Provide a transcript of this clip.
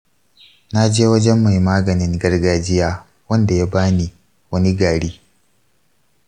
na je wajen mai maganin gargajiya wanda ya ba ni wani gari.